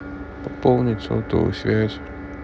пополнить сотовую связь